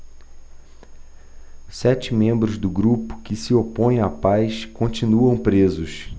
sete membros do grupo que se opõe à paz continuam presos